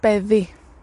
beddi.